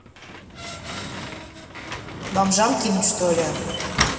бомжам кинуть что ли